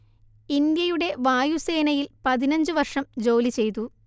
ഇന്ത്യയുടെ വായുസേനയിൽ പതിനഞ്ചു വർഷം ജോലി ചെയ്തു